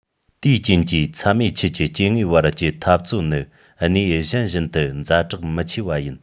དེའི རྐྱེན གྱིས ཚྭ མེད ཆུ ཀྱི སྐྱེ དངོས བར གྱི འཐབ རྩོད ནི གནས ཡུལ གཞན བཞིན དུ ཛ དྲག མི ཆེ བ ཡིན